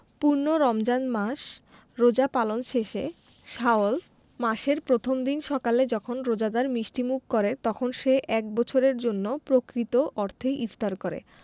পূর্ণ রমজান মাস রোজা পালন শেষে শাওয়াল মাসের প্রথম দিন সকালে যখন রোজাদার মিষ্টিমুখ করে তখন সে এক বছরের জন্য প্রকৃত অর্থে ইফতার করে